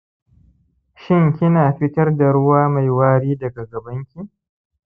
shin kina fitar da ruwa mai wari daga gabanki